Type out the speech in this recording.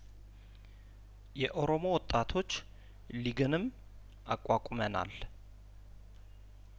የኦሮሞ ወጣቶች ሊግንም አቋቁመናል